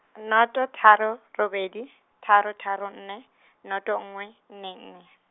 noto tharo robedi, tharo tharo nne , noto nngwe, nne nne.